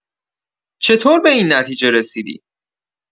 چطور به این نتیجه رسیدی؟